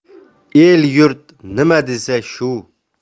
el yurt nima desa shu